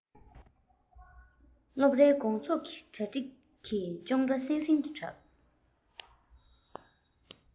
སློབ རའི དགོང ཚོགས ཀྱི གྲ སྒྲིག གི ཅོང སྒྲ སིང སིང དུ གྲགས